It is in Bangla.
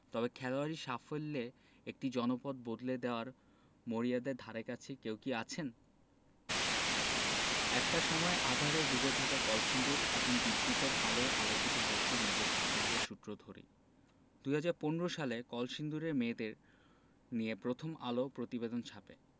তবে খেলোয়াড়ি সাফল্যে একটা জনপদ বদলে দেওয়ায় মরিয়াদের ধারেকাছে কেউ কি আছেন একটা সময়ে আঁধারে ডুবে থাকা কলসিন্দুর এখন বিদ্যুতের আলোয় আলোকিত হয়েছে মেয়েদের সাফল্যের সূত্র ধরেই ২০১৫ সালে কলসিন্দুরের মেয়েদের নিয়ে প্রথম আলো প্রতিবেদন ছাপে